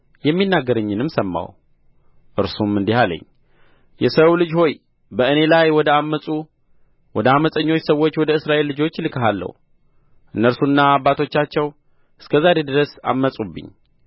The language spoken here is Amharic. የሚናገረኝንም ሰማሁ እርሱም እንዲህ አለኝ የሰው ልጅ ሆይ በእኔ ላይ ወደ ዐመፁ ወደ ዓመፀኞች ሰዎች ወደ እስራኤል ልጆች እልክሃለሁ እነርሱና አባቶቻቸው እስከ ዛሬ ድረስ ዐመፁብኝ